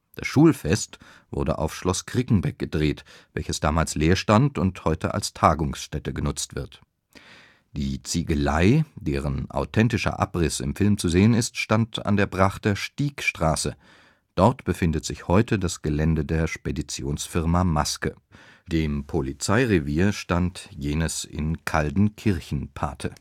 Schulfest wurde auf Schloss Krickenbeck gedreht, welches damals leerstand und heute als Tagungsstätte genutzt wird. Die Ziegelei, deren authentischer Abriss im Film zu sehen ist, stand an der Brachter Stiegstraße; dort befindet sich heute das Gelände der Speditionsfirma Maske. Dem Polizeirevier stand jenes in Kaldenkirchen Pate